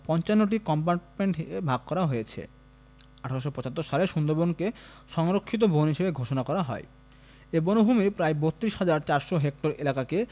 ৫৫টি কোম্পার্টমেন্ট এ ভাগ করা হয়েছে ১৮৭৫ সালে সুন্দরবনকে সংরক্ষিত বন হিসেবে ঘোষণা করা হয় এ বনভূমির প্রায় ৩২হাজার ৪০০ হেক্টর এলাকাকে